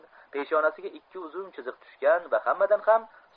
peshanasiga ikki uzun chiziq tushgan va hammadan ham